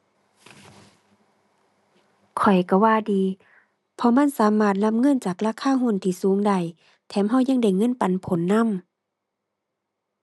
ข้อยก็ว่าดี เพราะมันสามารถรับเงินจากราคาหุ้นที่สูงได้ แถมก็ยังได้เงินปันผลนำ